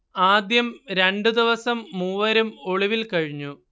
ആദ്യം രണ്ടു ദിവസം മൂവരും ഒളിവിൽ കഴിഞ്ഞു